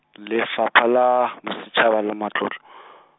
Lefapha la Bosetšhaba la Matlotlo .